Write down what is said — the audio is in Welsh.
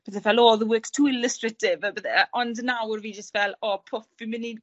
pethe ffel o the works too illustrative a pethe a ond nawr fi jyst fel o pwp fi myn' i